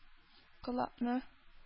Колакны